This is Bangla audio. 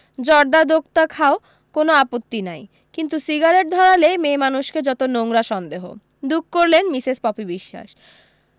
জর্দা দোক্তা খাও কোনো আপত্তি নাই কিন্তু সিগারেট ধরালেই মেয়েমানুষকে যত নোংরা সন্দেহ দুখ করলেন মিসেস পপি বিশ্বাস